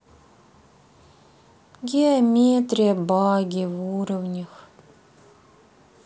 геометрия баги в уровнях